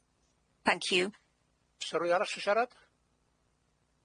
Thank you. Ose rhywun arall isho siarad?